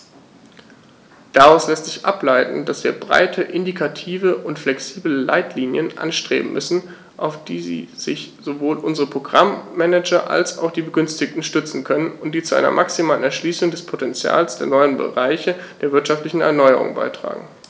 Daraus lässt sich ableiten, dass wir breite, indikative und flexible Leitlinien anstreben müssen, auf die sich sowohl unsere Programm-Manager als auch die Begünstigten stützen können und die zu einer maximalen Erschließung des Potentials der neuen Bereiche der wirtschaftlichen Erneuerung beitragen.